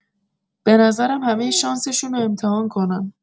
بنظرم همه شانسشونو امتحان کنن.